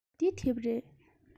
འདི དེབ རེད